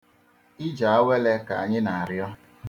Ije awele ka anyị na-arịọ.